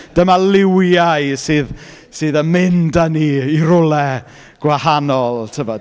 Dyma liwiau sydd, sydd yn mynd â ni i rywle gwahanol, tibod.